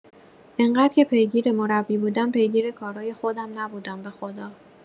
انقد که پیگیر مربی بودم پیگیر کارای خودم نبودم بخدا